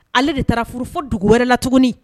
Ale de taara furu fo dugu wɛrɛ la tuguni